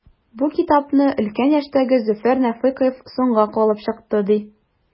Бу китапны өлкән яшьтәге Зөфәр Нәфыйков “соңга калып” чыкты, ди.